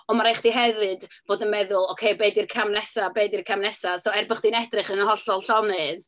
Ond ma' raid chdi hefyd fod yn meddwl, "ocê, be 'di'r cam nesaf? Be 'di'r cam nesaf"? So er bo' chdi'n edrych yn y hollol llonydd...